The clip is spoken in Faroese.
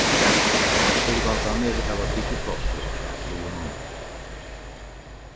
firvaldarnir hava tikið plássið hjá flugunum